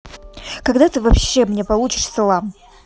когда ты вообще мне получить салам